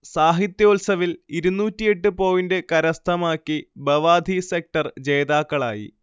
സാഹിത്യോല്സവിൽ ഇരുന്നൂറ്റിഎട്ട് പോയിന്റ് കരസ്ഥമാക്കി Bawadi sector ജേതാക്കളായി